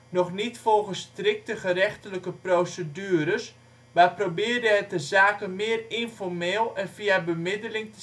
nog niet volgens strikte gerechtelijke procedures, maar probeerde het de zaken meer informeel en via bemiddeling